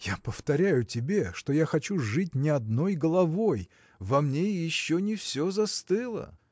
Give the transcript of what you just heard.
Я повторяю тебе, что я хочу жить не одной головой во мне еще не все застыло.